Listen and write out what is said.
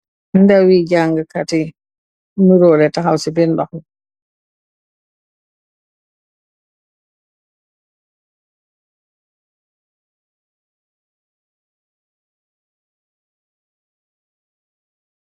Ndawi janga kat yi niroleh taxaw ci biir ndox mi.